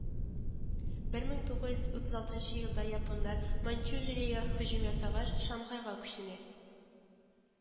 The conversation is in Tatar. Бер мең тугыз йөз утыз алтынчы елда японнар маньчжуриягә һөҗүм ясагач, шанхайга күченә